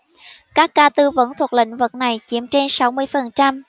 các ca tư vấn thuộc lĩnh vực này chiếm trên sáu mươi phần trăm